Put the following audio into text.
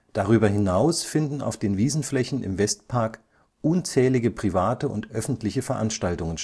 Darüber hinaus finden auf den Wiesenflächen im Westpark unzählige private und öffentliche Veranstaltungen